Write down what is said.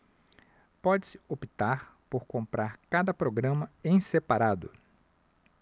pode-se optar por comprar cada programa em separado